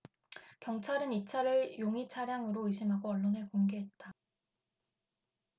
경찰은 이 차를 용의 차량으로 의심하고 언론에 공개했다